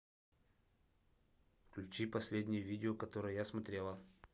включи последнее видео которое я смотрела